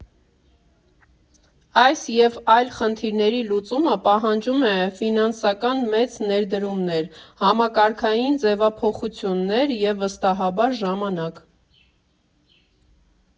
Այս և այլ խնդիրների լուծումը պահանջում է ֆինանսական մեծ ներդրումներ, համակարգային ձևափոխություններ և, վստահաբար, ժամանակ։